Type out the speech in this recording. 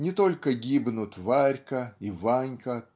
Не только гибнут Варька и Ванька